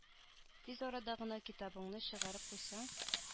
Тиз арада гына китабыңны чыгарып куйсаң